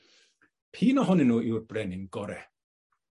p'un ohonyn nw yw'r brenin gore?